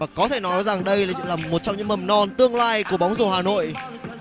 và có thể nói rằng đây là một trong những mầm non tương lai của bóng rổ hà nội